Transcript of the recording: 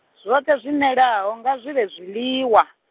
zwoṱhe zwimelaho, nga zwivhe zwiḽiwa.